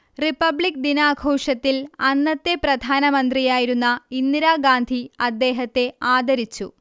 republic ദിനാഘോഷത്തിൽ അന്നത്തെ പ്രധാനമന്ത്രിയായിരുന്ന ഇന്ദിരാഗാന്ധി അദ്ദേഹത്തെ ആദരിച്ചു